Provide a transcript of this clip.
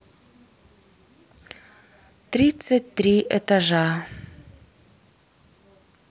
тридцать три этажа